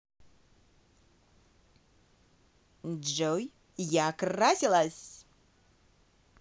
джой я красилась